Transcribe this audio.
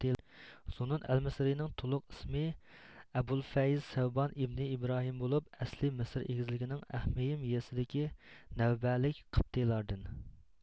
زۇننۇن ئەلمىسرىينىڭ تولۇق ئىسمى ئەبۇلفەيز سەۋبان ئىبنى ئىبراھىم بولۇپ ئەسلى مىسىر ئېگىزلىكىنىڭ ئەخمىيم يېزىسىدىكى نەۋبەلىك قىبتېيلاردىن